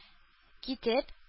Китеп